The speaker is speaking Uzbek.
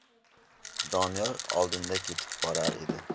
doniyor oldinda ketib borar edi